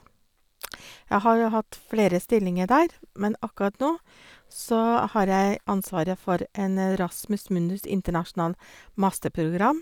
Jeg har hatt flere stillinger der, men akkurat nå så har jeg ansvaret for en Erasmus Mundus internasjonal masterprogram.